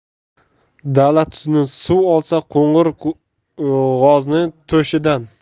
dala tuzni suv olsa qo'ng'ir g'ozning to'shidan